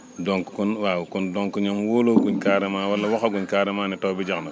donc kon waaw kon donc ñoom wóolooguñ carrément wala waxaguñ carrément ne taw bi jeex na